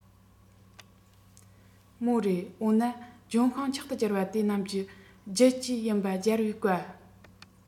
མོ རེ འོ ན ལྗོན ཤིང མཆོག ཏུ འགྱུར པ དེ རྣམས ཀྱི རྒྱུད བཅས ཡིན པ རྒྱལ བའི བཀའ